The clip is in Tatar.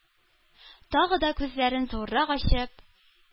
Тагы да күзен зуррак ачып,